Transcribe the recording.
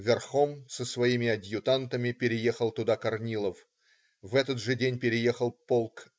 Верхом, со своими адъютантами, переехал туда Корнилов. В этот же день переехал полк.